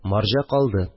Марҗа калды